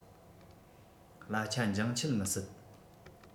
གླ ཆ འགྱངས ཆད མི སྲིད